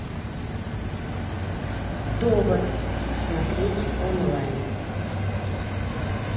довод смотреть онлайн